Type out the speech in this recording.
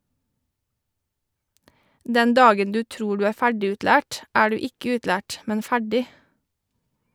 Den dagen du tror du er ferdigutlært er du ikke utlært, men ferdig.